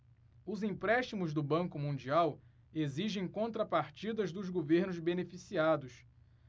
os empréstimos do banco mundial exigem contrapartidas dos governos beneficiados